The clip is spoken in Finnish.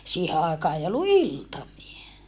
siihen aikaan ei ollut iltamia